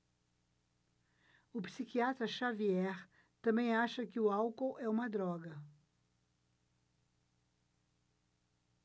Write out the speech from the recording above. o psiquiatra dartiu xavier também acha que o álcool é uma droga